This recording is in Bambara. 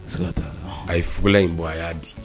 N bɛ se ka taa? Ɔnhon. A ye fukulan in bɔ, a y'a di